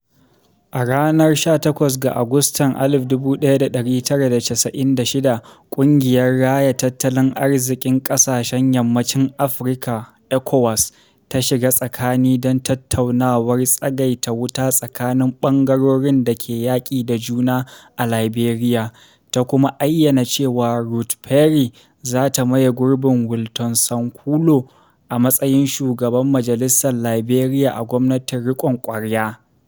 A ranar 18 ga Agustan 1996, Ƙungiyar Raya Tattalin Arziƙin Ƙasashen Yammacin Afirka (ECOWAS) ta shiga tsakani don tattaunawar tsagaita wuta tsakanin ɓangarorin da ke yaƙi da juna a Liberia, ta kuma ayyana cewa Ruth Perry za ta maye gurbin Wilton Sankawulo a matsayin Shugabar Majalisar Liberia a gwamnatin riƙon ƙwarya.